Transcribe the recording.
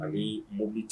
Ani ni mobili ci